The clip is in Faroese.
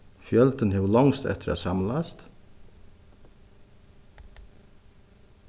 fjøldin hevur longst eftir at samlast